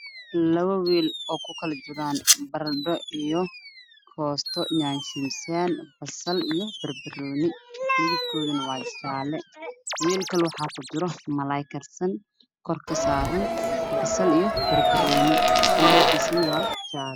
Laba weel oo ku kala jiraan fardo basal bambooni kaaroto iyo hilib